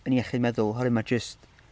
Yn iechyd meddwl, oherwydd mae jyst...